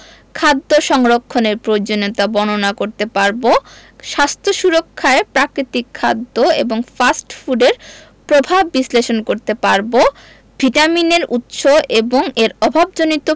খাদ্য সংরক্ষণের প্রয়োজনীয়তা বর্ণনা করতে পারব স্বাস্থ্য সুরক্ষায় প্রাকৃতিক খাদ্য এবং ফাস্ট ফুডের প্রভাব বিশ্লেষণ করতে পারব ভিটামিনের উৎস এবং এর অভাবজনিত